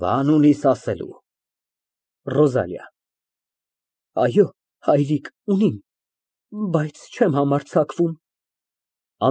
Բան ունի՞ս ասելու։ ՌՈԶԱԼԻԱ ֊ Այո, հայրիկ, ունիմ, բայց չեմ համարձակվում։